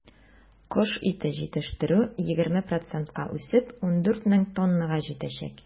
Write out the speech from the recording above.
Кош ите җитештерү, 20 процентка үсеп, 14 мең тоннага җитәчәк.